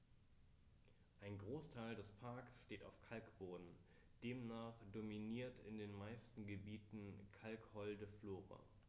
Ein Großteil des Parks steht auf Kalkboden, demnach dominiert in den meisten Gebieten kalkholde Flora.